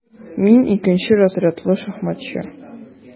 Мин - икенче разрядлы шахматчы.